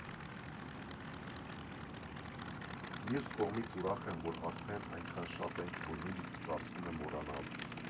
Մյուս կողմից՝ ուրախ եմ, որ արդեն այնքան շատ ենք, որ նույնիսկ ստացվում է մոռանալ։